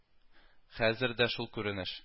Хәзер дә шул күренеш